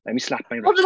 Let me slap my wrist...